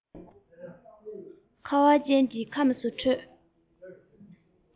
ཁ བ ཅན གྱི ཁམས སུ འཕྲོས